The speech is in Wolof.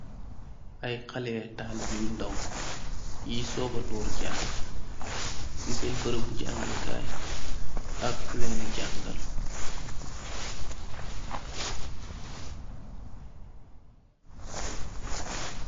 Aye haleh talibeh yu daww yuy suga durr janga se sen berebu jangekay ak kulene jagal.